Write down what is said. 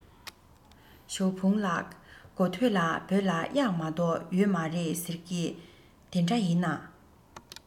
ཞའོ ཧྥུང ལགས གོ ཐོས ལ བོད ལ གཡག མ གཏོགས ཡོད མ རེད ཟེར གྱིས དེ འདྲ ཡིན ན